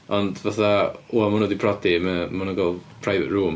Ond fatha, 'wan ma' nhw 'di priodi, ma'- ma' nhw'n cael private room.